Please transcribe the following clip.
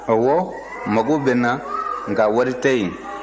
ɔwɔ mago bɛ n na nka wari tɛ yen